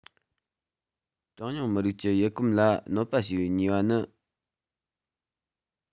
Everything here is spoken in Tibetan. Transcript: གྲངས ཉུང མི རིགས ཀྱི ཡུལ གོམས ལ གནོད པ བྱས པའི ཉེས པ ནི